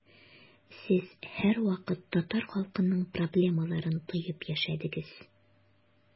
Сез һәрвакыт татар халкының проблемаларын тоеп яшәдегез.